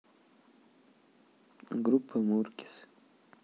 группа муркис